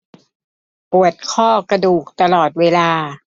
ปวดข้อกระดูกตลอดเวลา